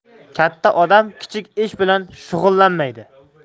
katta odam kichik ish bilan shug'ullanmaydi